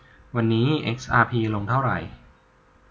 วันนี้เอ็กอาร์พีลงเท่าไหร่